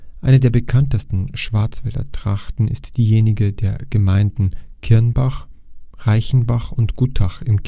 Eine der bekanntesten Schwarzwälder Trachten ist diejenige der Gemeinden Kirnbach, Reichenbach und Gutach im